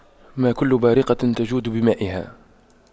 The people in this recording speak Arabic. ما كل بارقة تجود بمائها